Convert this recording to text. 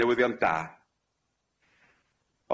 Newyddion da.